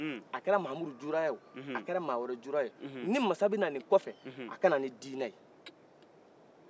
a kɛra mamudu juuraya y'o a kɛra mɔgɔ wɛrɛ juura y'o nin masa bɛna nin kɔfɛ a ka nani dinɛ ye